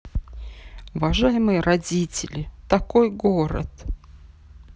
уважаемые родители такой город